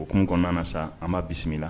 O hukum kɔnɔna na sa an b'a bisimila